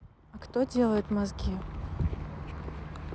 а кто делает мозги